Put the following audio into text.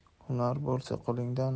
hunar bo'lsa qo'lingda